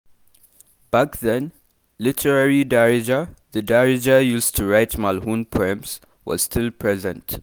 Back then, literary Darija, the Darija used to write Malhoun poems, was still present.